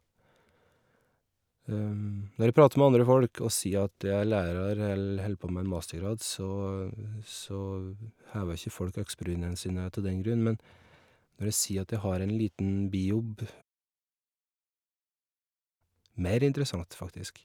Når jeg prater med andre folk og sier at jeg er lærer eller holder på med en mastergrad, så så hever ikke folk augsbrynan sine ta den grunn, men når jeg sier at jeg har en liten bijobb mer interessant, faktisk.